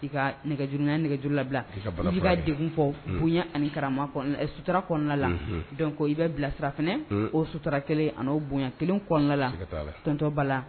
I ka nɛgɛjurunya nɛgɛjuru labila i ka de fɔ bonya ani karama suta kɔnɔna la ko i bɛ bila sira o suturara kelen ani bonyayan kelen kɔnɔnala tɔnontɔba la